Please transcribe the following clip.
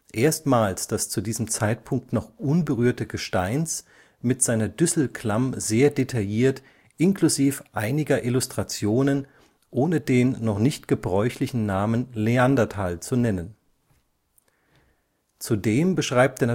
erstmals das zu diesem Zeitpunkt noch unberührte Gesteins mit seiner Düsselklamm sehr detailliert inklusiv einiger Illustrationen, ohne den noch nicht gebräuchlichen Namen Neandertal zu nennen. Zudem beschreibt